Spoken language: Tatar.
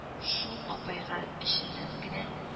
Шул апайга эченнән генә